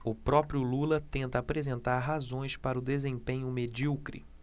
o próprio lula tenta apresentar razões para o desempenho medíocre